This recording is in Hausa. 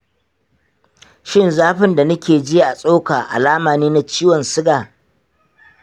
shin zafin da nike ji a tsoka alama ne na ciwon siga?